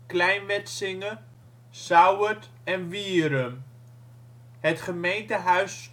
Klein Wetsinge, Sauwerd en Wierum. Het gemeentehuis